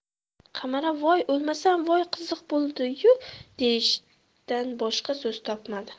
qamara voy o'lmasam voy qiziq bo'ldi ku deyishdan boshqa so'z topmadi